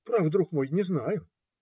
- Право, друг мой, не знаю.